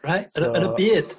Reit yn y...So. ...yn y byd?